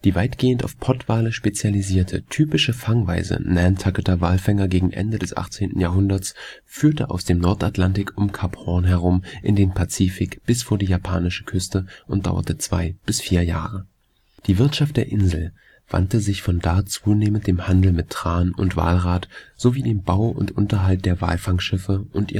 weitgehend auf Pottwale spezialisierte typische Fangreise Nantucketer Walfänger gegen Ende des 18. Jahrhunderts führte aus dem Nordatlantik um Kap Hoorn herum in den Pazifik bis vor die japanische Küste und dauerte zwei bis vier Jahre. Die Wirtschaft der Insel wandte sich von da zunehmend dem Handel mit Tran und Walrat sowie dem Bau und Unterhalt der Walfangschiffe und